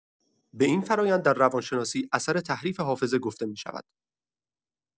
به این فرآیند در روان‌شناسی اثر تحریف حافظه گفته می‌شود.